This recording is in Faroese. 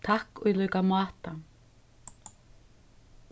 takk í líka máta